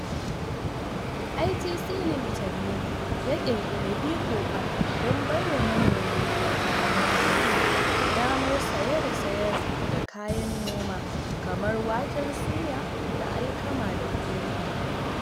ITC Limited ne ya ƙirƙiri e-Choupal don bai wa manoman karkara na India damar saye da sayar da kayan noma kamar waken suya da alkama da kofi.